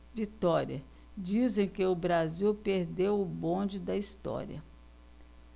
vitória dizem que o brasil perdeu o bonde da história